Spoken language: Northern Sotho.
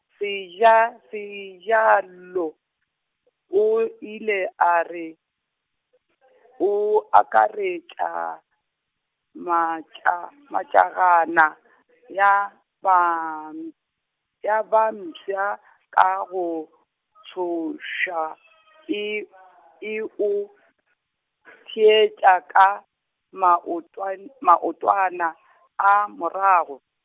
seja, Sejelo o ile a re, o akaretša, maatla motšegana, ya ba m-, ya ba mpša ka go tšhošwa e, e o thetša ka maotwan- , maotwana a morago.